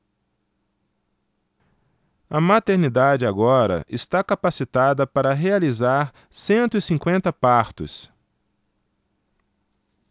a maternidade agora está capacitada para realizar cento e cinquenta partos